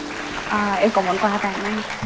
à em có món quà tặng anh